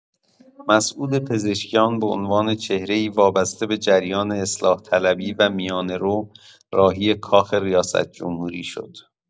مسعود پزشکیان به عنوان چهره‌ای وابسته به جریان اصلاح‌طلبی و میانه‌رو راهی کاخ ریاست‌جمهوری شد.